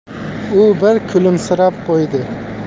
u bir kulimsirab qo'ydi